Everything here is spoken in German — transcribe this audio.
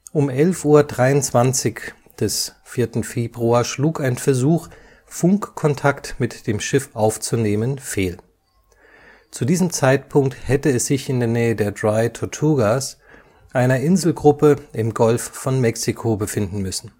Um 11:23 Uhr des 4. Februar schlug ein Versuch, Funkkontakt mit dem Schiff aufzunehmen, fehl. Zu diesem Zeitpunkt hätte es sich in der Nähe der Dry Tortugas, einer Inselgruppe im Golf von Mexiko befinden müssen